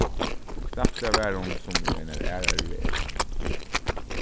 og knappliga var hon sum í einari aðrari verð